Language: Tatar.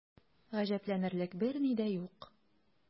Гаҗәпләнерлек берни дә юк.